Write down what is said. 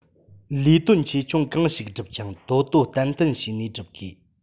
ལས དོན ཆེ ཆུང གང ཞིག སྒྲུབ ཀྱང དོ དོ བརྟན བརྟན བྱས ནས སྒྲུབ དགོས